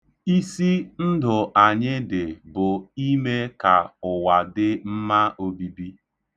Isi ndụ anyị dị bụ ime ka ụwa dị mma obibi.